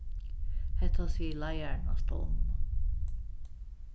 hetta sigur leiðarin á stovninum